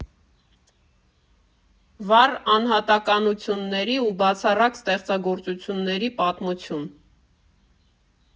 Վառ անհատականությունների ու բացառիկ ստեղծագործությունների պատմություն։